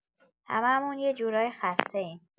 همه‌مون یه جورایی خسته‌ایم.